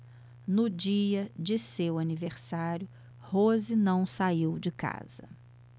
no dia de seu aniversário rose não saiu de casa